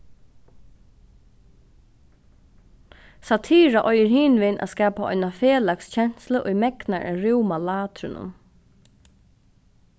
satira eigur hinvegin at skapa eina felags kenslu ið megnar at rúma látrinum